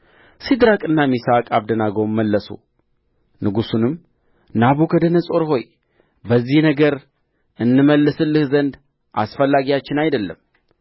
ሲድራቅና ሚሳቅ አብደናጎም መለሱ ንጉሡንም ናቡከደነፆር ሆይ በዚህ ነገር እንመልስልህ ዘንድ አስፈላጊያችን አይደለም